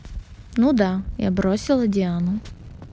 ну да я бросила диану